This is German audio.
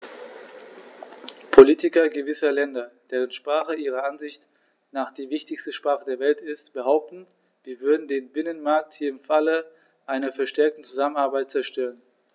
Politiker gewisser Länder, deren Sprache ihrer Ansicht nach die wichtigste Sprache der Welt ist, behaupten, wir würden den Binnenmarkt hier im Falle einer verstärkten Zusammenarbeit zerstören.